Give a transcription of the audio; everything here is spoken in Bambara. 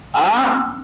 A